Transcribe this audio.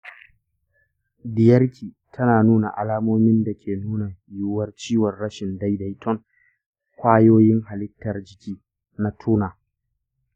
diyarki tana nuna alamomin da ke nuna yiwuwar ciwon rashin daidaiton kwayoyin halittar jiki na turner.